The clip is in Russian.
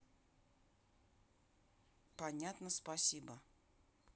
понятно спасибо